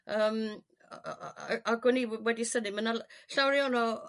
yrm a- a- a- ag o'n i w- wedi synny ma' 'na l- llawer iawn o